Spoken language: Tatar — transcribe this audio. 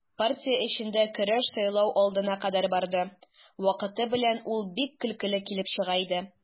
Партия эчендә көрәш сайлау алдына кадәр барды, вакыты белән ул бик көлкеле килеп чыга иде.